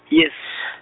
yes .